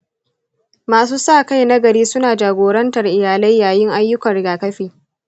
masu sa kai na gari suna jagorantar iyalai yayin ayyukan rigakafi.